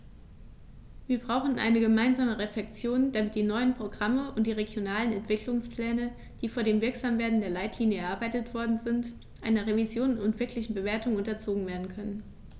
Wir brauchen eine gemeinsame Reflexion, damit die neuen Programme und die regionalen Entwicklungspläne, die vor dem Wirksamwerden der Leitlinien erarbeitet worden sind, einer Revision und wirklichen Bewertung unterzogen werden können.